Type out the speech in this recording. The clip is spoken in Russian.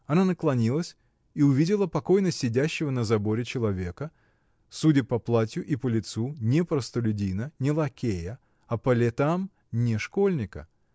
Она наклонилась и увидела покойно сидящего на заборе человека, судя по платью и по лицу, не простолюдина, не лакея, а по летам — не школьника.